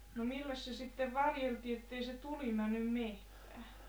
no milläs se sitten - varjeltiin että ei se tuli mennyt metsään